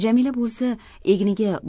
jamila bo'lsa egniga